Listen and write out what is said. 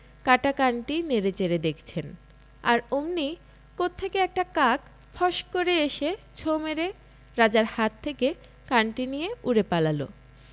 কাটা কানটি নেড়ে চেড়ে দেখছেন আর অমনি কোত্থেকে একটা কাক ফস্ করে এসে ছোঁ মেরে রাজার হাত থেকে কানটি নিয়ে উড়ে পালাল